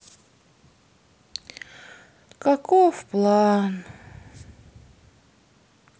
каков план